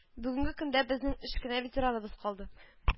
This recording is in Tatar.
Бүгенге көндә безнең өч кенә ветераныбыз калды